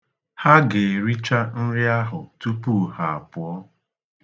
Ha ga-ericha nri ahụ tupu ha apụọ.